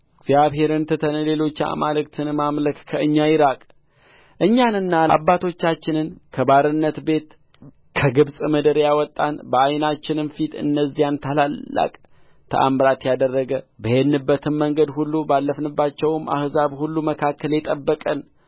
እግዚአብሔርን ትተን ሌሎች አማልክትን ማምለክ ከእኛ ይራቅ እኛንና አባቶቻችንን ከባርነት ቤት ከግብፅ ምድር ያወጣን በዓይናችንም ፊት እነዚያን ታላላቅ ተአምራት ያደረገ በሄድንባትም መንገድ ሁሉ ባለፍንባቸውም አሕዛብ ሁሉ መካከል የጠበቀን